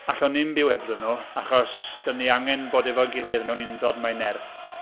Allwn ni ddim byw hebddyn nhw, achos dan ni angen bod efo'n gilydd. Mewn undod mae nerth.